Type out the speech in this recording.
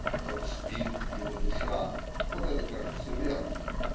в которых "спит" его душа (вот это кажется верно)